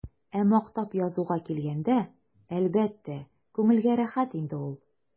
Ә мактап язуга килгәндә, әлбәттә, күңелгә рәхәт инде ул.